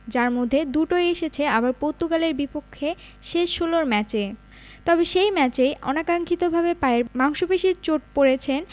যার মধ্যে দুটোই এসেছে আবার পর্তুগালের বিপক্ষে শেষ ষোলোর ম্যাচে তবে সেই ম্যাচেই অনাকাঙ্ক্ষিতভাবে পায়ের মাংসপেশির চোট পড়েছেন